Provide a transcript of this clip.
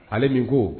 Ale min ko